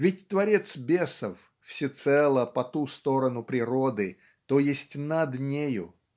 Ведь творец "Бесов" - всецело по ту сторону природы, т. е. над нею